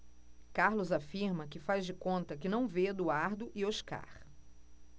carlos afirma que faz de conta que não vê eduardo e oscar